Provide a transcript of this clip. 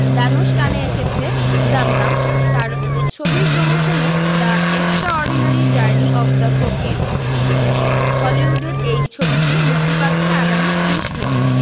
ধানুশ কানে এসেছে জানতাম তার ছবির প্রমোশনে the extraordinary journey of the fakir হলিউডের এই ছবিটি মুক্তি পাচ্ছে আগামী ৩০ মে